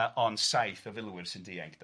Yy ond saith o filwyr sy'n dianc de.